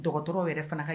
Dɔgɔ dɔgɔtɔrɔw yɛrɛ fana